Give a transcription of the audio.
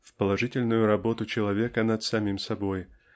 в положительную работу человека над самим собой